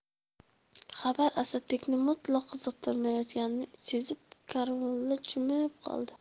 xabar asadbekni mutlaq qiziqtirmayotganini sezib karimulla jimib qoldi